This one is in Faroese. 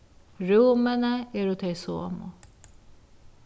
rúmini eru tey somu